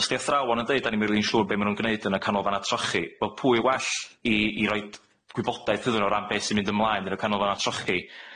Os 'di athrawon yn deud 'da ni'm rili'n siŵr be' ma' nw'n gneud yn y Canolfanna Trochi wel pwy well i i roid gwybodaeth iddyn n'w o ran beth sy'n mynd ymlaen yn y Canolfanna Trochi